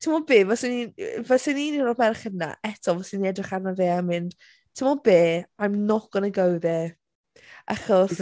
Ti'n gwybod be fyswn i'n yy fyswn i'n un o'r merched 'na eto fyswn i'n edrych arno fe a mynd "Timod be? I'm not going to go there." Achos...